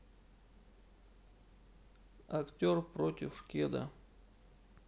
актер против шкеда